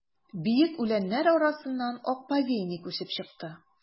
Биек үләннәр арасыннан ак повейник үсеп чыкты.